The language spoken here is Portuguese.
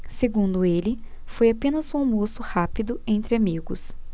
segundo ele foi apenas um almoço rápido entre amigos